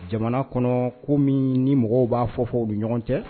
Jamana kɔnɔ ko min ni mɔgɔw b'a fɔ fɔ u bɛ ɲɔgɔn cɛ